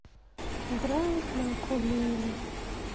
играет на укулеле